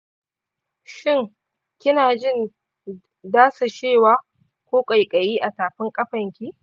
shin kina jin dusashewa ko ƙaiƙayi a tafin kafanki?